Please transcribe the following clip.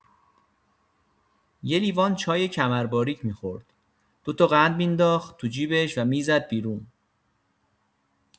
یه لیوان چای کمر باریک می‌خورد، دوتا قند می‌نداخت تو جیبش و می‌زد بیرون.